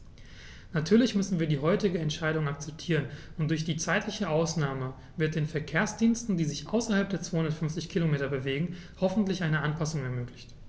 Natürlich müssen wir die heutige Entscheidung akzeptieren, und durch die zeitliche Ausnahme wird den Verkehrsdiensten, die sich außerhalb der 250 Kilometer bewegen, hoffentlich eine Anpassung ermöglicht.